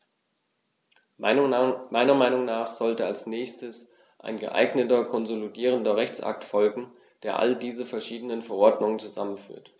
Meiner Meinung nach sollte als nächstes ein geeigneter konsolidierender Rechtsakt folgen, der all diese verschiedenen Verordnungen zusammenführt.